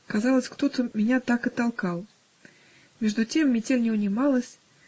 казалось, кто-то меня так и толкал. Между тем метель не унималась